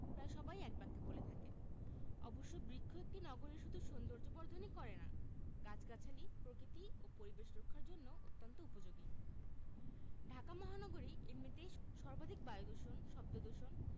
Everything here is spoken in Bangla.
প্রায় সবাই একবাক্যে বলে থাকেন অবশ্য বৃক্ষ একটি নগরীর শুধু সৌন্দর্যবর্ধনই করে না গাছগাছালি প্রকৃতি ও পরিবেশ রক্ষার জন্যও অত্যন্ত উপযোগী ঢাকা মহানগরী এমনিতেই সর্বাধিক বায়ুদূষণ শব্দদূষণ